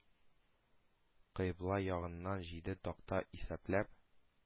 Кыйбла ягыннан җиде такта исәпләп,